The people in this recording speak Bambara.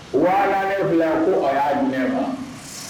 Wala ne filɛ ko a y'a di wa